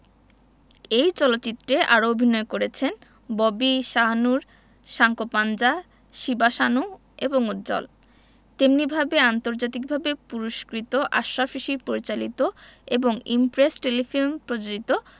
এই চলচ্চিত্রে আরও অভিনয় করেছেন ববি শাহনূর সাঙ্কোপাঞ্জা শিবা সানু এবং উজ্জ্বল তেমনিভাবে আন্তর্জাতিকভাবে পুরস্কৃত আশরাফ শিশির পরিচালিত এবং ইমপ্রেস টেলিফিল্ম প্রযোজিত